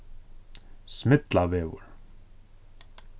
smillavegur